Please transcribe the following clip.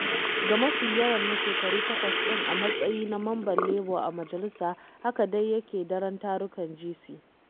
Ga mafi yawan na shekaru takwas ɗin a matsayi na mamban Labour a majalisa, haka dai yake daren tarukan GC.